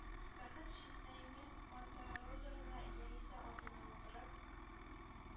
Бәхет җизнәйнең мотороллерына яисә атына утырып